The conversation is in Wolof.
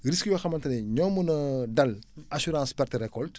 risques yoo xamante ne ñoo mun a dal assurance perte récolte